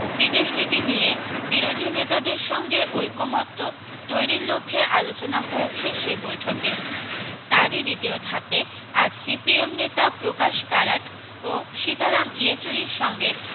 বিদেশনীতি নিয়ে বিরোধী নেতাদের সঙ্গে ঐকমত্য তৈরীর লক্ষ্যে আলোচনা হয়েছে সেই বৈঠকে তারি দ্বিতীয় ধাপে আজ সিপিএম নেতা প্রকাশ কারাট ও সীতারাম ইয়েচুরির সঙ্গে